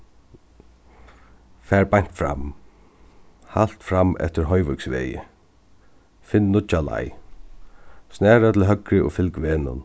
far beint fram halt fram eftir hoyvíksvegi finn nýggja leið snara til høgru og fylg vegnum